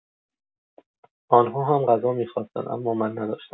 آن‌ها هم غذا می‌خواستند، اما من نداشتم.